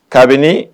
Kabini